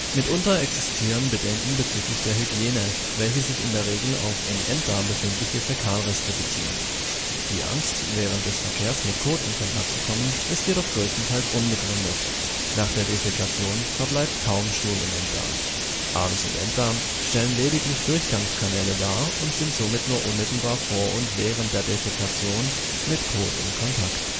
Mitunter existieren Bedenken bezüglich der Hygiene, welche sich in der Regel auf im Enddarm befindliche Fäkalreste beziehen. Die Angst, während des Verkehrs mit Kot in Kontakt zu kommen, ist jedoch größtenteils unbegründet. Nach der Defäkation verbleibt kaum Stuhl im Enddarm, Anus und Enddarm stellen lediglich Durchgangskanäle dar und sind somit nur unmittelbar vor und während der Defäkation mit Kot in Kontakt